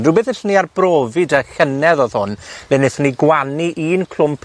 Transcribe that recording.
Rhywbeth nethon ni arbrofi 'da llynedd odd hwn. Fe nethon ni gw'anu un clwmp